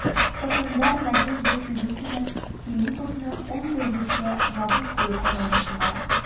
Хөкемдар Надежда Чулюкина Филлиповны ун тәүлеккә ябып кую карары чыгара.